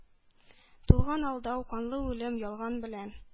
Тулган алдау, канлы үлем, ялган белән!